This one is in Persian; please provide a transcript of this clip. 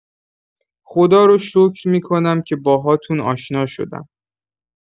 خدا رو شکر می‌کنم که باهاتون آشنا شدم